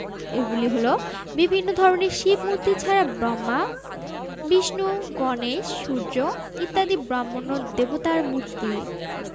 এগুলি হলো বিভিন্ন ধরনের শিব মূর্তি ছাড়া ব্রহ্মা বিষ্ণু গণেশ সূর্য ইত্যাদি ব্রাহ্মণ্য দেবতার মূর্তি